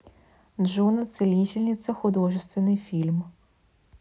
джуна целительница художественный фильм